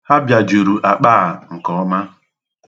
Ha biajuru akpa a nke ọma.